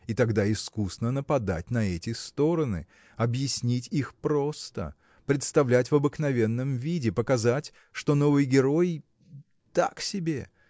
и тогда искусно нападать на эти стороны объяснить их просто представлять в обыкновенном виде показать что новый герой. так себе.